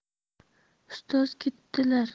ustoz ketibdilar